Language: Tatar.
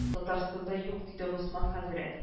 Татарстанда юк диде госман хәзрәт